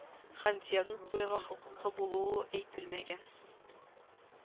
Һәм диагноз куярга хокукы булуы әйтелмәгән